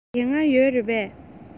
དེ སྔ ཡོད རེད པས